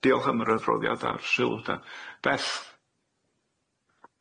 Diolch am yr adroddiad a'r sylw da. Beth?